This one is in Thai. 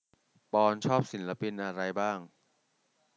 ปอนด์ชอบศิลปินอะไรบ้าง